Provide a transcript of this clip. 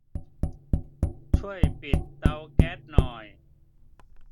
ช่วยปิดเตาแก๊สหน่อย